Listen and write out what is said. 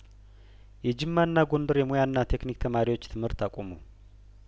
የጅማና ጐንደር የሙያና ቴክኒክ ተማሪዎች ትምህርት አቆሙ